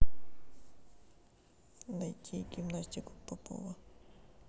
найти гимнастику попова